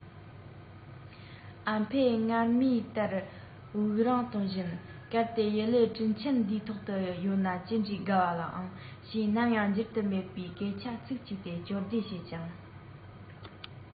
ཨ ཕས སྔར མུས ལྟར དབུགས རིང གཏོང བཞིན གལ ཏེ ཡུ ལེ གྲུ ཆེན འདིའི ཐོག ཏུ ཡོད ན ཇི འདྲའི དགའ བ ལ ཨང ཞེས ནམ ཡང འགྱུར དུ མེད པའི སྐད ཆ ཚིག གཅིག དེ བསྐྱར ཟློས བྱེད ཅིང